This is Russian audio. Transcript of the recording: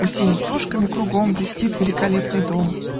Усеян плошками кругом, Блестит великолепный дом